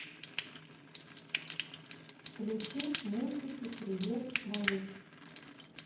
включи мультики привет малыш